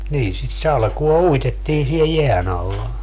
niin sitä salkoa uitettiin siellä jään alla